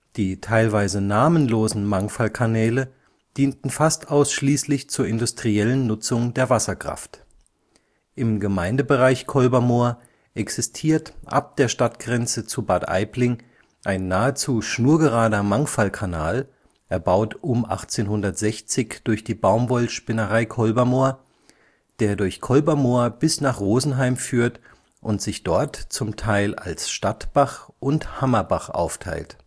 Die teilweise namenlosen Mangfallkanäle dienten fast ausschließlich zur industriellen Nutzung der Wasserkraft. Im Gemeindebereich Kolbermoor existiert ab der Stadtgrenze zu Bad Aibling ein nahezu schnurgerader Mangfallkanal, erbaut um 1860 durch die Baumwollspinnerei Kolbermoor, der durch Kolbermoor bis nach Rosenheim führt und sich dort z. T. als Stadtbach und Hammerbach aufteilt